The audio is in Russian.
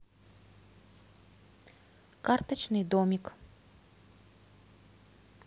карточный домик